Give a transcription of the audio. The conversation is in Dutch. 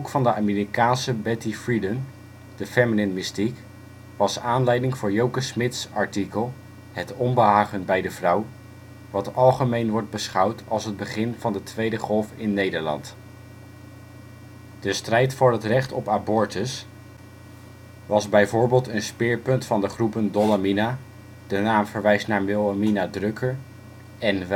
van de Amerikaanse Betty Friedan The Feminine Mystique was aanleiding voor Joke Smits artikel " Het onbehagen bij de vrouw " wat algemeen wordt beschouwd als het begin van de tweede golf in Nederland. De strijd voor het recht op abortus was bijvoorbeeld een speerpunt van de groepen Dolle Mina (de naam verwijst naar Wilhelmina Drucker) en